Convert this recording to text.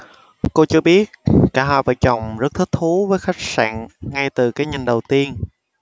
cô cho biết cả hai vợ chồng rất thích thú với khách sạn ngay từ cái nhìn đầu tiên